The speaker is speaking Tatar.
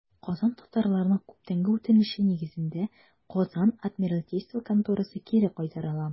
Казан татарларының күптәнге үтенече нигезендә, Казан адмиралтейство конторасы кире кайтарыла.